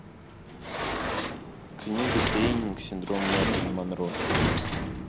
книга тренинг синдром мерлин монро